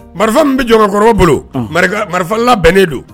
Marifan min bɛ bolo marifa labɛnnen don.